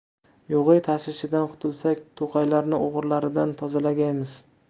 yog'iy tashvishidan qutulsak to'qaylarni o'g'rilardan tozalagaymiz